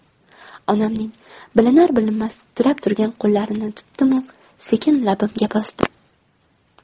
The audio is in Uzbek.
onamning bilinar bilinmas titrab turgan qo'llarini tutdimu sekin labimga bosdim